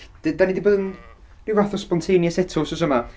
dy- dan ni 'di bod yn rhyw fath o spontaneous eto wythnos yma.